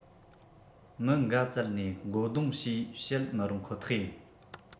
མི འགའ བཙལ ནས མགོ སྡུང ཞེས བཤད མི རུང ཁོ ཐག ཡིན